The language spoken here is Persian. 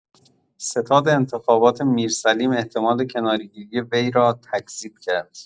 ستاد انتخابات میرسلیم احتمال کناره‌گیری وی را تکذیب کرد.